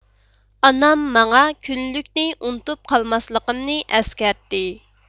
ئانام ماڭا كۈنلۈكنى ئۇنتۇپ قالماسلىقىمنى ئەسكەرتتى